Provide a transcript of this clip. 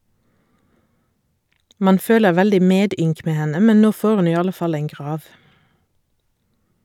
Man føler veldig medynk med henne, men nå får hun i alle fall en grav.